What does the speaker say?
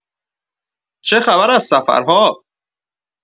چه خبر از سفرها؟